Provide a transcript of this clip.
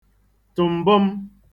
tụ̀m̀bọm